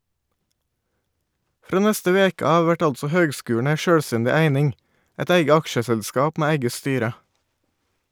Frå neste veke av vert altså høgskulen ei sjølvstendig eining, eit eige aksjeselskap med eige styre.